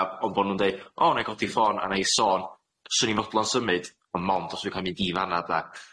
A on' bo' nw'n deud o nâi codi ffôn a nâi sôn, swn i'n fodlon symud on' mond os fi ca'l mynd i fan'na de?